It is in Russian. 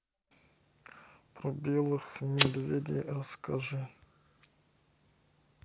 про белых медведей расскажи